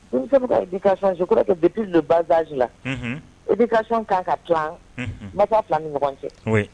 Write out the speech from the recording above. N'i ka son sukɔrɔ bɛp don badzji la i b'i ka sɔn k'a ka tila ma taa fila ni ɲɔgɔn cɛ